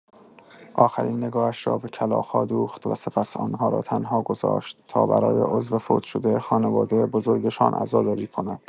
آخرین نگاهش را به کلاغ‌ها دوخت و سپس آن‌ها را تنها گذاشت تا برای عضو فوت‌شده خانواده بزرگشان عزاداری کنند.